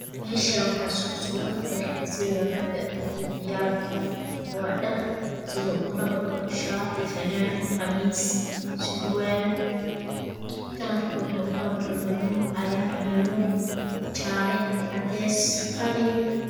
Meshaan wax sur suran dharka sida raga iyo ciyaalka waa dhar sida u kala baxo shati bananad qamis surwal kalarkoodna u kala baxo baluug cagar madow jaale cades qalin